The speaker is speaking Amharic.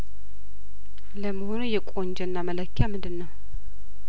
ለመሆኑ የቁንጅና መለኪያ ምንድነው